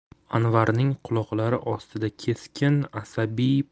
anvarning quloqlari ostida keskin asabiy